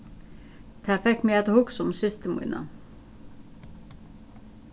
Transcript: tað fekk meg at hugsa um systur mína